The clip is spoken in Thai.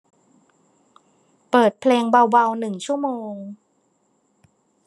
เปิดเพลงเบาเบาหนึ่งชั่วโมง